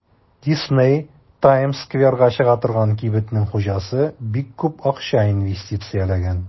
Дисней (Таймс-скверга чыга торган кибетнең хуҗасы) бик күп акча инвестицияләгән.